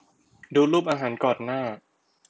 ดูรูปอาหารก่อนหน้า